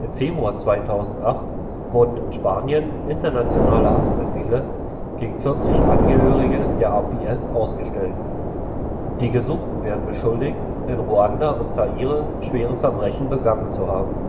Februar 2008 wurden in Spanien internationale Haftbefehle gegen 40 Angehörige der RPF ausgestellt. Die Gesuchten werden beschuldigt, in Ruanda und Zaire schwere Verbrechen begangen zu haben